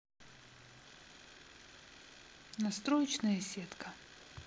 настроечная сетка